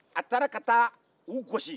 a taara ka taa u gosi